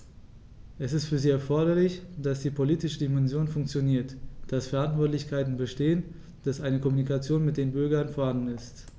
Es ist für sie erforderlich, dass die politische Dimension funktioniert, dass Verantwortlichkeiten bestehen, dass eine Kommunikation mit den Bürgern vorhanden ist.